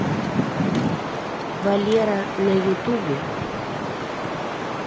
валера на ютубе